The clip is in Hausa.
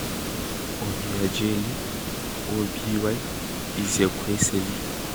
Obiageli [Oby] Ezekwesili